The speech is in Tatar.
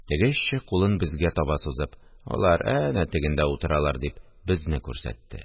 Теге эшче, кулын безгә таба сузып: – Алар әнә тегендә утыралар! – дип, безне күрсәтте